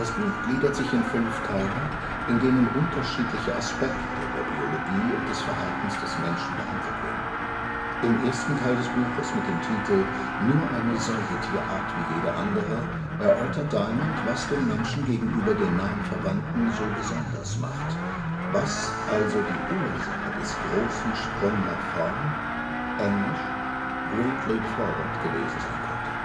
Buch gliedert sich in fünf Teile, in denen unterschiedliche Aspekte der Biologie und des Verhaltens des Menschen behandelt werden. Im ersten Teil des Buches mit dem Titel „ Nur eine Säugetierart wie jede andere “erörtert Diamond, was den Menschen gegenüber den nahen Verwandten so besonders macht, was also die Ursache des „ großen Sprung nach vorn “(engl. Great Leap Forward) gewesen sein könnte